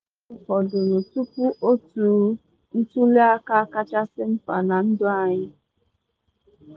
Izu ise fọdụrụ tupu otu ntuli aka kachasị mkpa na ndụ anyị.